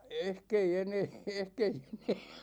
ehkä ei enää ehkä ei enää